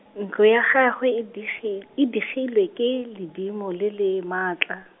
ntlo ya gagwe e digi-, e digilwe ke ledimo le le, maatla.